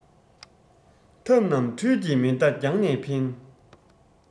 ཐབས རྣམས འཕྲུལ གྱི མེ མདའ རྒྱང ནས འཕེན